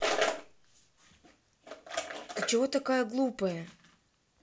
ты чего такая глупая